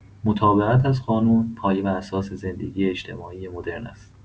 متابعت از قانون، پایه و اساس زندگی اجتماعی مدرن است.